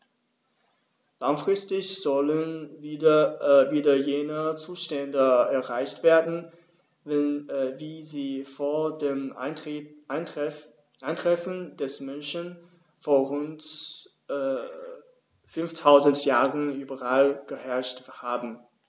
Langfristig sollen wieder jene Zustände erreicht werden, wie sie vor dem Eintreffen des Menschen vor rund 5000 Jahren überall geherrscht haben.